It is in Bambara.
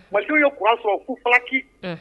Malisiw ye k sɔrɔ ko alaki